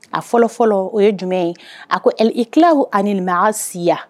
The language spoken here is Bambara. A fɔlɔ fɔlɔ o ye jumɛn ye a ko i tila ni siya